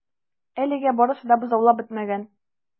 Әлегә барысы да бозаулап бетмәгән.